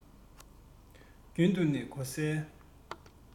རྒྱུན དུ ནས གོ གསལ